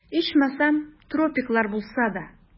Ичмасам, тропиклар булса да...